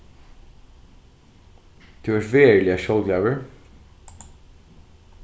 tú ert veruliga sjálvglaður